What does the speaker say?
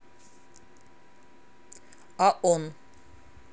я он